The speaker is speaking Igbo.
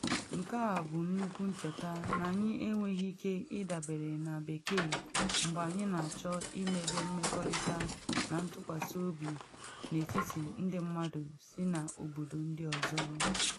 Nke a bụ nnukwu ncheta na anyị enweghị ike ịdabere na Bekee mgbe anyị na achọ ịmebe mmekọrịta na ntụkwasị obi n’etiti ndị mmadụ si na obodo ndị ọzọ.